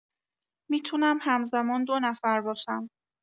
می‌تونم هم‌زمان دو نفر باشم.